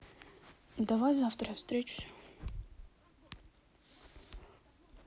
давай завтра я встречусь